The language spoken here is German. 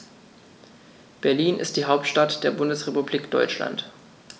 Berlin ist die Hauptstadt der Bundesrepublik Deutschland.